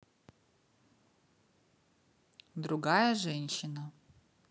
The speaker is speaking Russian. другая женщина